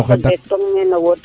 yasam o yaalo xe ci yong o wod